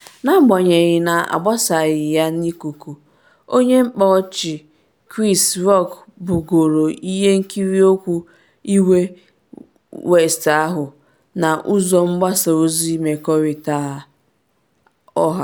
N’agbanyeghị na agbasaghị ya n’ikuku, onye mkpa ọchị Chris Rock bugoro ihe nkiri okwu iwe West ahụ na ụzọ mgbasa ozi mmekọrịta ọha.